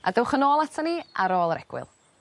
A dywch yn ôl aton ni ar ôl yr egwyl.